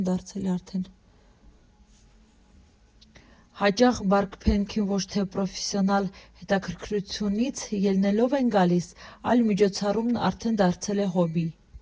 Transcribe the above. Հաճախ Բարքեմփին ոչ թե պրոֆեսիոնալ հետաքրքրությունից ելնելով են գալիս, այլ միջոցառումն արդեն դարձել է հոբբի։